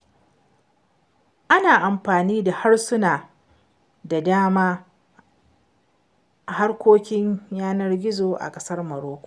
Ana amfani da harsuna da dama a harkokin yanar gizo a ƙasar Marocco.